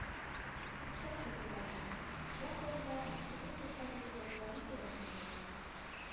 Искәртеп узабыз, кичә Кырымда республика статусы турында референдум узды